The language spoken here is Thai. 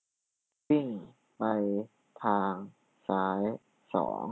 วิ่งไปทางซ้ายสอง